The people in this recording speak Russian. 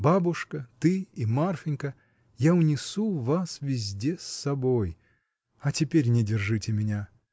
Бабушка, ты и Марфинька — я унесу вас везде с собой — а теперь не держите меня!